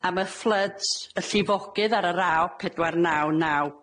am y floods y llifogydd ar yr a o- pedwar naw naw.